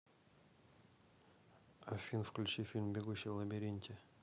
афин включи фильм бегущий в лабиринте